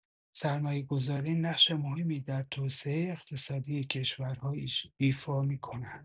سرمایه‌گذاران نقش مهمی در توسعه اقتصادی کشورها ایفا می‌کنند.